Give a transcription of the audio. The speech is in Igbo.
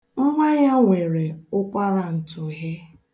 Nwa ya nwere ụkwarantụhị.